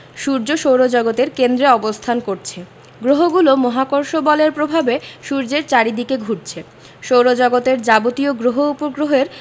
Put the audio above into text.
সূর্য সৌরজগতের কেন্দ্রে অবস্থান করছে গ্রহগুলো মহাকর্ষ বলের প্রভাবে সূর্যের চারদিকে ঘুরছে সৌরজগতের যাবতীয় গ্রহ উপগ্রহের